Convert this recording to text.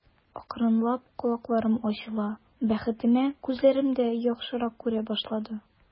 Акрынлап колакларым ачыла, бәхетемә, күзләрем дә яхшырак күрә башлады.